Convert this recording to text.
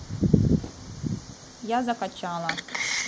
я закачала